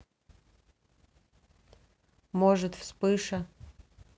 может вспыша